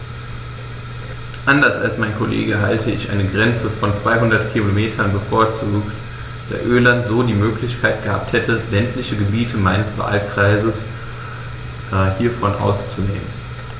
Anders als mein Kollege hätte ich eine Grenze von 200 km bevorzugt, da Irland so die Möglichkeit gehabt hätte, ländliche Gebiete meines Wahlkreises hiervon auszunehmen.